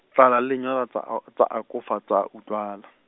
tlala le lenyora tsa a-, tsa akofa tsa utlwala.